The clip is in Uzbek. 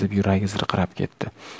yuragi zirqirab ketdi